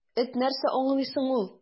Эт нәрсә аңлый соң ул!